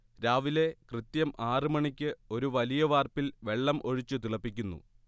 രാവിലെ കൃത്യം ആറ് മണിക്ക് ഒരു വലിയ വാർപ്പിൽ വെള്ളം ഒഴിച്ചു തിളപ്പിക്കുന്നു